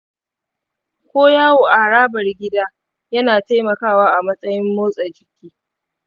ko yawo a harabar gida yana taimakawa a matsayin motsa jiki.